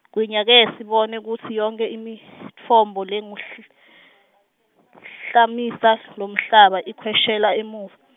gwinya ke sibone kutsi yonkhe imitfombo lengahl- -hlumisa, lomhlaba ikhweshela emuva.